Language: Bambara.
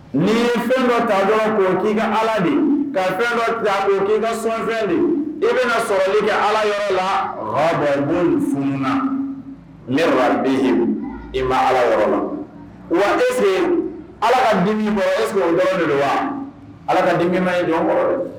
Ni' ye fɛn dɔ ta dɔn ko k'i ka ala nin ka fɛn dɔ ta k'i ka sonfɛn i bɛna sɔrɔlen kɛ ala yɔrɔ la bɔn don fununa neden yen i ma ala yɔrɔ la wa ese ala ka den mɔgɔ ye sɔn dɔ don wa ala ka den ye kɔrɔ ye